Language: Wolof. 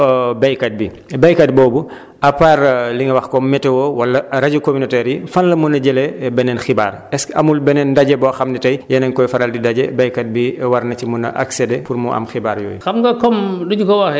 waaye tey ñu ngi wax ci wàllu béykat bi béykat boobu à part li nga wax comme météo wala rajo communautaire yi fan la mën a jëlee beneen xibaar est ce que amul beneen ndaje boo xam ne tey yéen a ngi koy faral di daje béykat bi war na ci mun a accéder pour mu am xibaar yooyu